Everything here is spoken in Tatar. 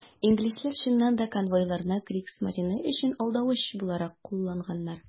Инглизләр, чыннан да, конвойларны Кригсмарине өчен алдавыч буларак кулланганнар.